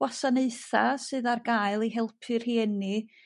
wasanaetha' sydd ar gael i helpu rhieni.